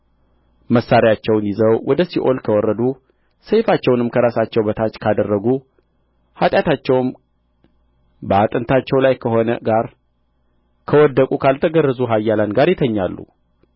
መሣሪያቸውን ይዘው ወደ ሲኦል ከወረዱ ሰይፋቸውንም ከራሳቸው በታች ካደረጉ ኃጢአታቸውም በአጥንታቸው ላይ ከሆነ ጋር ከወደቁ ካልተገረዙ ኃያላን ጋር ይተኛሉ